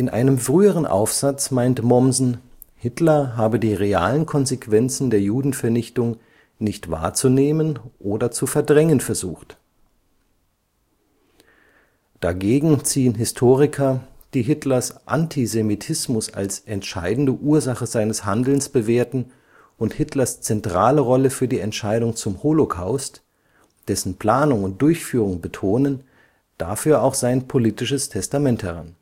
einem früheren Aufsatz meinte Mommsen, Hitler habe die realen Konsequenzen der Judenvernichtung „ nicht wahrzunehmen oder zu verdrängen “versucht. Dagegen ziehen Historiker, die Hitlers Antisemitismus als entscheidende Ursache seines Handelns bewerten und Hitlers zentrale Rolle für die Entscheidung zum Holocaust, dessen Planung und Durchführung betonen, dafür auch sein politisches Testament heran